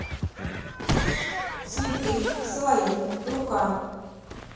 цветы своими руками